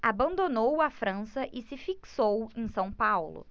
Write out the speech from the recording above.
abandonou a frança e se fixou em são paulo